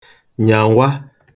nyàwa